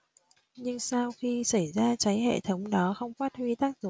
nhưng sao khi xảy ra cháy hệ thống đó không phát huy tác dụng